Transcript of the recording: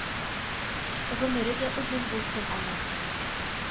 Гомере дә озын булсын аның,